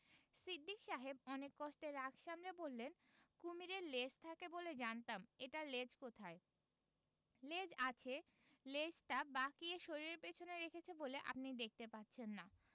সিদ্দিক সাহেব অনেক কষ্টে রাগ সামলে বললেন কুমীরের লেজ থাকে বলে জানতাম এটার লেজ কোথায় লেজ আছে লেজটা বেঁকিয়ে শরীরের পেছনে রেখেছে বলে আপনি দেখতে পাচ্ছেন না